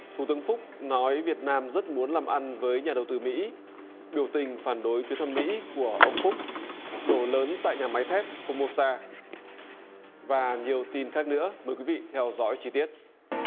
thủ tướng phúc nói việt nam rất muốn làm ăn với nhà đầu tư mỹ biểu tình phản đối chuyến thăm mỹ của ông phúc nổ lớn tại nhà máy thép phô mô sa và nhiều tin khác nữa mời quý vị theo dõi chi tiết